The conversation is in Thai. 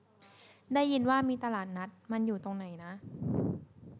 ได้ยินว่ามีตลาดนัดมันอยู่ตรงไหนนะ